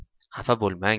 xafa bo'lmang